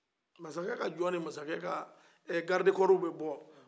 masakɛ ka jɔnw ni masakɛ ka garadikɔri bɛ bɔ